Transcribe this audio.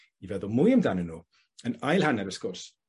i feddwl mwy amdanyn nw, yn ail hanner y sgwrs...